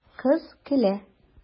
Кыз көлә.